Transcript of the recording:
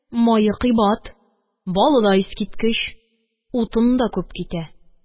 Мае кыйбат, балы да искиткеч, утын да күп китә